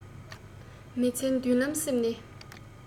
མི ཚེའི མདུན ལམ གསེབ ནས